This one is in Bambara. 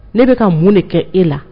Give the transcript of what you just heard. Ne bɛka ka mun de kɛ e la